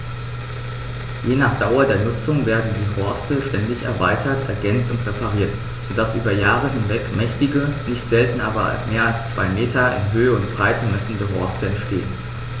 Je nach Dauer der Nutzung werden die Horste ständig erweitert, ergänzt und repariert, so dass über Jahre hinweg mächtige, nicht selten mehr als zwei Meter in Höhe und Breite messende Horste entstehen.